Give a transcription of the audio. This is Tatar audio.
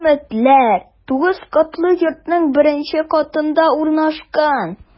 “өметлеләр” 9 катлы йортның беренче катында урнашкан.